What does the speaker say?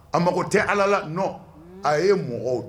A mago tɛ ala la nɔ a ye mɔ